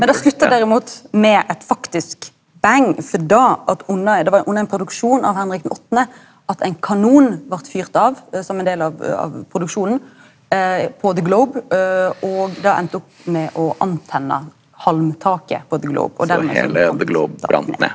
men det sluttar derimot med eit faktisk bang for det at under det var under ein produksjon av Henrik den åttande at ein kanon vart fyrt av som ein del av av produksjonen på The Globe og det enda opp med å antenne halmtaket på The Globe og dermed så brann .